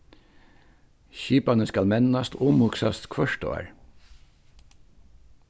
skipanin skal mennast og umhugsast hvørt ár